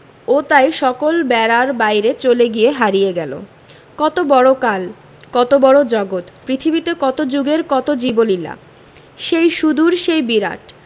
ও তাই সকল বেড়ার বাইরে চলে গিয়ে হারিয়ে গেল কত বড় কাল কত বড় জগত পৃথিবীতে কত যুগের কত জীবলীলা সেই সুদূর সেই বিরাট